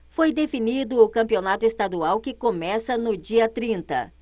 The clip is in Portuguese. foi definido o campeonato estadual que começa no dia trinta